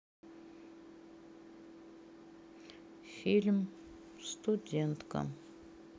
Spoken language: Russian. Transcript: фильм студентка